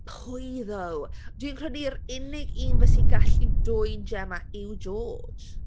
Pwy ddo? Dwi'n credu yr unig un fyse'n gallu dwyn Gemma yw George.